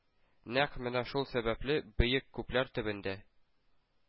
Нәкъ менә шул сәбәпле Бөек күлләр төбендә